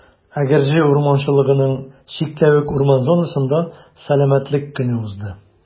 Әгерҗе урманчылыгының «Чикләвек» урман зонасында Сәламәтлек көне узды.